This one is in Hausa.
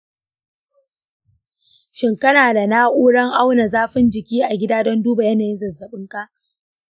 shin kana da na’urar auna zafin jiki a gida don duba yanayin zazzafinka?